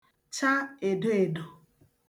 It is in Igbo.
cha èdoèdo